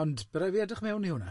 Ond bydd raid fi edrych mewn i hwnna.